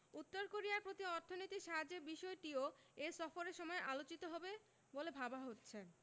উত্তর কোরিয়ার প্রতি অর্থনৈতিক সাহায্যের বিষয়টিও এই সফরের সময় আলোচিত হবে বলে ভাবা হচ্ছে